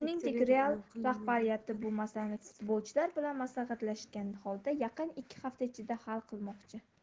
shuningdek real rahbariyati bu masalani futbolchilar bilan maslahatlashgan holda yaqin ikki hafta ichida hal qilmoqchi